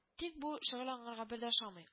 Тик бу шөгыль аңарга бердә охшамый